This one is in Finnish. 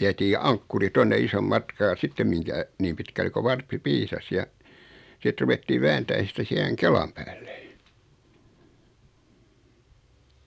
vietiin ankkuri tuonne ison matkaa ja sitten minkä niin pitkälle kuin varppi piisasi ja sitten ruvettiin vääntämään sitä siihen kelan päälle